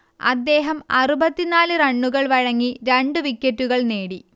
അദ്ദേഹം അറുപത്തി നാല് റണ്ണുകൾ വഴങ്ങി രണ്ട് വിക്കറ്റുകൾ നേടി